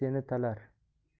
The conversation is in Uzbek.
bo'ri ceni talar